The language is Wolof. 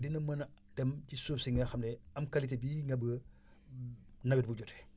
dina mën a dem ci suuf si nga xam ne am qualité bi nga bu nawet bi jotee